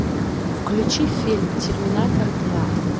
включи фильм терминатор два